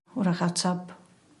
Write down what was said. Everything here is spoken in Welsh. ...hw'rach atab